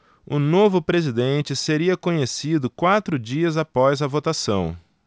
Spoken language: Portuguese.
o novo presidente seria conhecido quatro dias após a votação